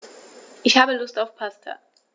Ich habe Lust auf Pasta.